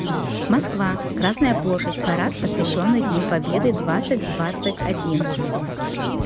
москва красная площадь парад посвященный дню победы двадцать двадцать один